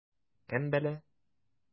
Кем белә?